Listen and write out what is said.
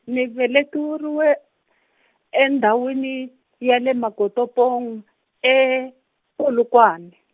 ni veleki uruwe- , e ndhawini ya le Makotopong e- Polokwane.